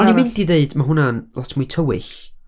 O'n i'n mynd i ddeud ma' hwnna'n, lot mwy tywyll.